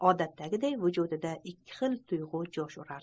odatdagiday vujudida ikki xil tuyg'u jo'sh urar edi